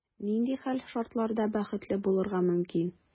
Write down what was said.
Нинди хәл-шартларда бәхетле булырга мөмкин?